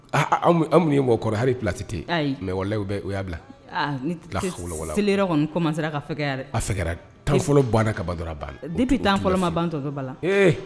Aaa anw ye mɔgɔkɔrɔ halilatite mɛwale bɛ o y'a bila ni seli yɔrɔ kɔni koman siran ka aɛrɛ tan fɔlɔ bannada kaba dɔrɔn ban bi tɛ tan fɔlɔfɔlɔma ban tɔ bala